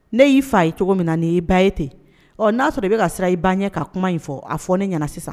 Ne y'i fa ye cogo min na n'i'i ba ye ten ɔ n'a sɔrɔ de i bɛ ka sira i ba ye ka kuma in fɔ a fɔ ne nana sisan